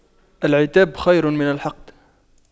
العتاب خير من الحقد